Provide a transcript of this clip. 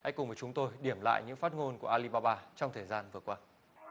hãy cùng chúng tôi điểm lại những phát ngôn của a li ba ba trong thời gian vừa qua